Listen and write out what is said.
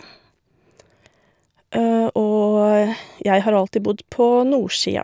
Og jeg har alltid bodd på nordsia.